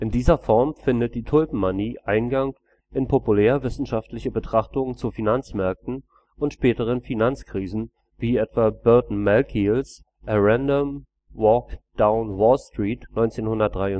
dieser Form findet die Tulpenmanie Eingang in populärwissenschaftliche Betrachtungen zu Finanzmärkten und späteren Finanzkrisen, wie etwa Burton Malkiels A Random Walk Down Wall Street (1973